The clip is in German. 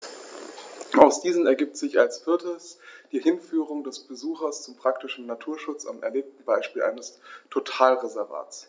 Aus diesen ergibt sich als viertes die Hinführung des Besuchers zum praktischen Naturschutz am erlebten Beispiel eines Totalreservats.